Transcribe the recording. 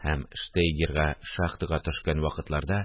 Һәм штейгерга шахтага төшкән вакытларда